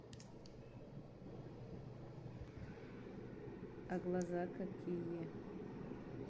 а глаза какие